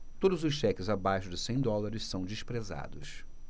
todos os cheques abaixo de cem dólares são desprezados